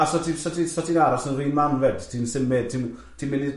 ... a so ti'n so ti'n so ti'n aros yn yr un man 'fyd, ti'n symud, ti'n ti'n mynd i ti'n